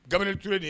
Kabinitu ye de ye